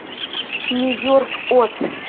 нью йорк от